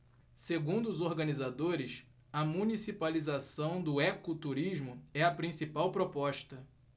segundo os organizadores a municipalização do ecoturismo é a principal proposta